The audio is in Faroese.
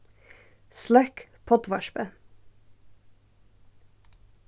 sløkk poddvarpið